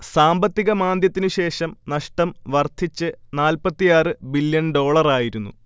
സാമ്പത്തിക മാന്ദ്യത്തിനുശേഷം നഷ്ടം വർധിച്ച് നാല്‍പ്പത്തിയാറ് ബില്യൺ ഡോളറായിരുന്നു